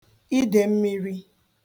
idèmmīrī